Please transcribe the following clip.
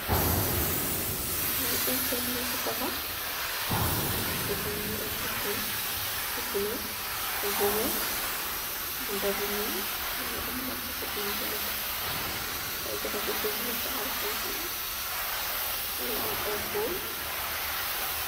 Fi ay kër leen fi tabah, kër bi mungi am buntu bu bulo ak bu weeh. Bunta bu ñuul mungi am mungi am lampu fofunoon bu nètè. Ay garab bu gouyè nungi tahaw fofunoon, mungi am ay pool.